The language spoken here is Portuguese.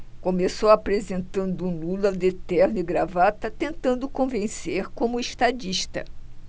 começou apresentando um lula de terno e gravata tentando convencer como estadista